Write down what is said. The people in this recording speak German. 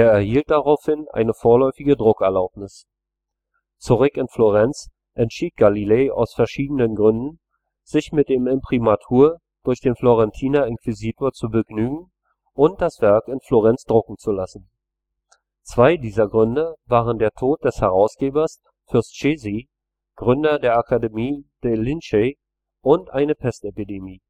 erhielt daraufhin eine vorläufige Druckerlaubnis. Zurück in Florenz entschied Galilei aus verschiedenen Gründen, sich mit dem Imprimatur durch den Florentiner Inquisitor zu begnügen und das Werk in Florenz drucken zu lassen. Zwei dieser Gründe waren der Tod des Herausgebers Fürst Cesi, Gründer der Accademia dei Lincei, und eine Pestepidemie